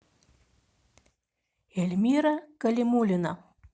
эльмира калимуллина